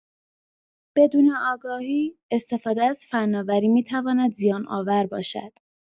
بدون آگاهی، استفاده از فناوری می‌تواند زیان‌آور باشد.